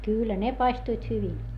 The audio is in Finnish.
kyllä ne paistuivat hyvin